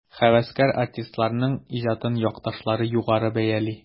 Һәвәскәр артистларның иҗатын якташлары югары бәяли.